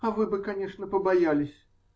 -- А вы бы, конечно, побоялись.